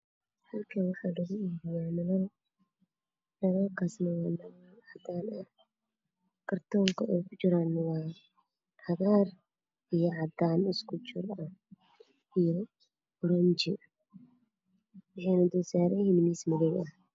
Meeshan ha iga muuqda laba kartoon iyo leer saaran yihiin miis ka yahay qaxwi cadaan